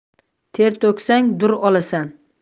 ter to'ksang dur olasan